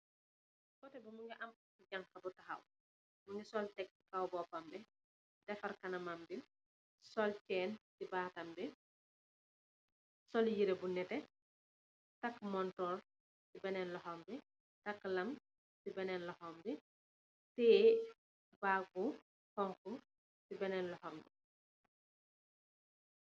Photo bii mungy am janha bu takhaw, mungy sol tek cii kaw bopam bii, defarr kanamam bii, sol chaine cii bahtam bii, sol yehreh bu nehteh, takue montorre cii benen lokhom bii, takue lahmm cii benen lokhom bii, tiyeh bag bu honhu cii benen lokhom bii.